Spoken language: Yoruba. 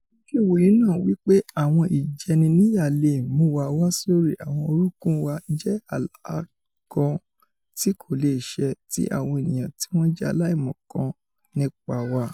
Ojú-ìwòye náà wí pé àwọn ìjẹniníyà leè mú wa wá sórí àwọn orúnkún wa jẹ́ àlá kan tí kò leè ṣẹ ti àwọn ènìyàn tíwọ́n jẹ́ aláìmọ̀kan nípa wa.